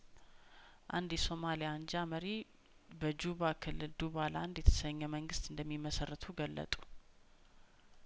አንድ የሶማሊያ አንጃ መሪ በጁባ ክልል ዱባ ላንድ የተሰኘ መንግስት እንደሚመሰርቱ ገለጡ